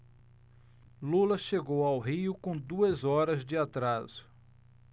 lula chegou ao rio com duas horas de atraso